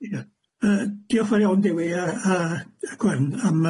Ia, yy diolch yn fawr iawn Dewi a a Gwern am